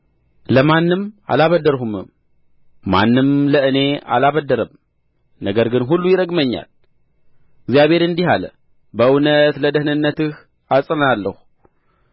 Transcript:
ለማንም አላበደርሁም ማንም ለእኔ አላበደረም ነገር ግን ሁሉ ይረግመኛል እግዚአብሔር እንዲህ አለ በእውነት ለደኅንነትህ አጸናሃለሁ